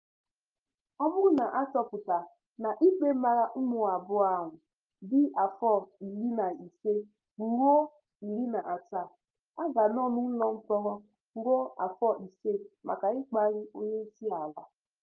Ọ bụrụ na ha chọpụta na ikpe mara ụmụagbọghọ ahụ dị afọ 15 ruo 17, ha ga-anọ n'ụlọ mkpọrọ ruo afọ ise maka ịkparị onyeisiala.